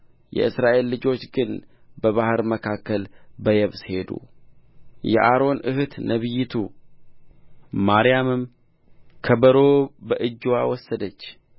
የእስራኤል ልጆች ግን በባሕሩ መካከል በየብስ ሄዱ የአሮን እኅት ነቢይቱ ማሪያምም ከበሮ በእጅዋ ወሰደች